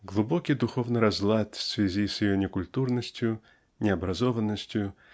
Глубокий духовный разлад в связи с ее некультурностью необразованностью